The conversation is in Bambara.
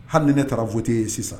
Hali ni ne taara fte ye sisan